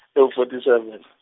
ewu- fourty seven.